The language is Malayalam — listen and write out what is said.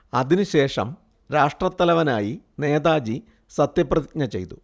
അതിനുശേഷം രാഷ്ട്രത്തലവനായി നേതാജി സത്യപ്രതിജ്ഞ ചെയ്തു